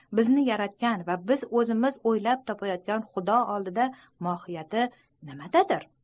bizni yaratgan va biz ozimiz oylab topayotgan xudo oldida mohiyati nimadadir